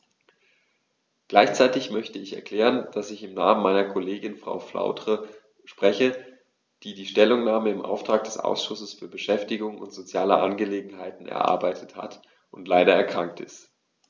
Gleichzeitig möchte ich erklären, dass ich im Namen meiner Kollegin Frau Flautre spreche, die die Stellungnahme im Auftrag des Ausschusses für Beschäftigung und soziale Angelegenheiten erarbeitet hat und leider erkrankt ist.